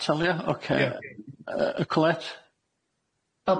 Atalia ocê yy y Colette?